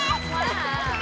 quá à